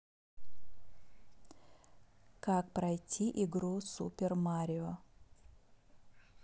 как пройти игру супер марио